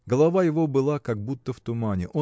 Голова его была как будто в тумане.